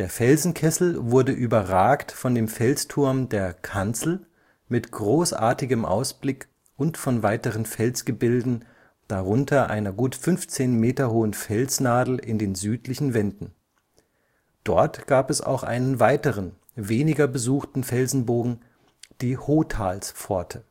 Felsenkessel wurde überragt von dem Felsturm der Kanzel mit großartigem Ausblick und von weiteren Felsgebilden, darunter einer gut 15 m hohen Felsnadel in den südlichen Wänden. Dort gab es auch einen weiteren, weniger besuchten Felsenbogen, die Hohthalspforte